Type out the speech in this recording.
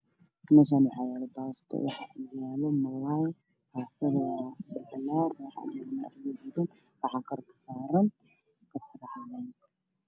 Meesha maxaa yeelo baasto macan waaye lagu dilay korna waxaa ka saaran kabsare caleen